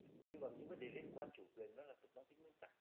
như mà những vấn đề liên quan chủ quyền nó là thuộc mang tính nguyên tắc